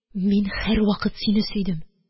Мин һәрвакыт сине сөйдем,